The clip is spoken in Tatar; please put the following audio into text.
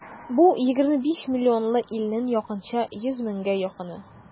Бу егерме биш миллионлы илнең якынча йөз меңгә якыны.